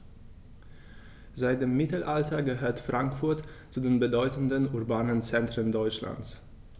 Seit dem Mittelalter gehört Frankfurt zu den bedeutenden urbanen Zentren Deutschlands.